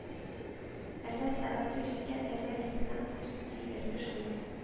Әллә сәгате җиткән, әллә лейтенант күз тигерде, шул